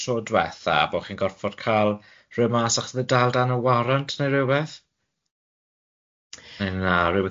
tro diwetha, bo' chi'n gorfod cael rhywun mas achos bod e dal dan warant ne' rywbeth?